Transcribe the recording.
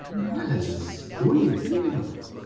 He was, who were you thinking of?